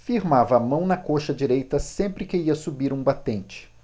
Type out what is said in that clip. firmava a mão na coxa direita sempre que ia subir um batente